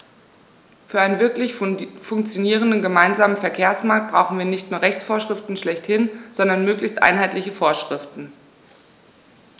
Für einen wirklich funktionierenden gemeinsamen Verkehrsmarkt brauchen wir nicht nur Rechtsvorschriften schlechthin, sondern möglichst einheitliche Vorschriften.